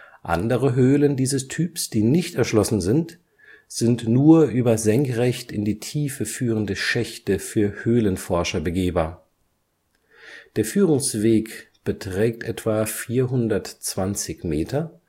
Andere Höhlen dieses Typs, die nicht erschlossen sind, sind nur über senkrecht in die Tiefe führende Schächte für Höhlenforscher begehbar. Der Führungsweg beträgt etwa 420 Meter